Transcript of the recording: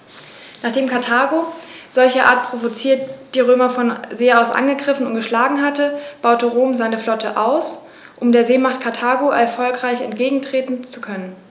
Nachdem Karthago, solcherart provoziert, die Römer von See aus angegriffen und geschlagen hatte, baute Rom seine Flotte aus, um der Seemacht Karthago erfolgreich entgegentreten zu können.